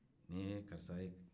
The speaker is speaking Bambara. nin ye karisa ye